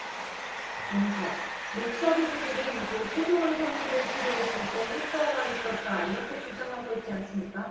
앵커 목사 부부들은 고 최동원 선수를 치료했을 때 효과가 있었다 이렇게 주장하고 있지 않습니까